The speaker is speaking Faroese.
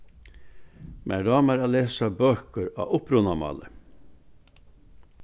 mær dámar at lesa bøkur á upprunamáli